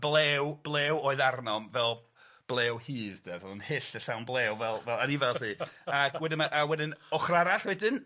Blew blew oedd arnom fel blew hudd de ro'dd o'n hyll a llawn blew fel fel anifail di ag wedyn ma' a wedyn ochor arall wedyn...